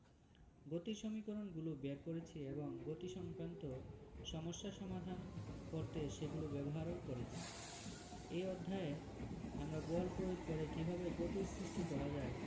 গতির সমীকরণগুলো বের করেছি এবং গতিসংক্রান্ত সমস্যা সমাধান করতে সেগুলো ব্যবহারও করেছি এই অধ্যায়ে আমরা বল প্রয়োগ করে কীভাবে গতির সৃষ্টি করা যায়